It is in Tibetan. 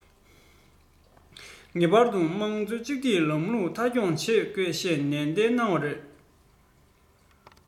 ངེས པར དུ དམངས གཙོ གཅིག སྡུད ལམ ལུགས མཐའ འཁྱོངས བྱེད དགོས ཞེས ནན བཤད གནང བ རེད